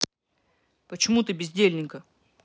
почему ты бездельника